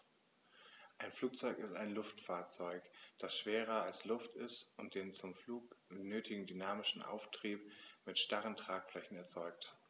Ein Flugzeug ist ein Luftfahrzeug, das schwerer als Luft ist und den zum Flug nötigen dynamischen Auftrieb mit starren Tragflächen erzeugt.